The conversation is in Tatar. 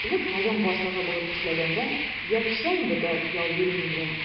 Элек район башлыгы булып эшләгәндә, якшәмбе дә ял бирми идем.